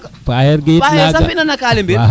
paxer sax oxu fina ka leɓel